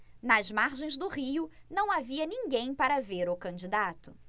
nas margens do rio não havia ninguém para ver o candidato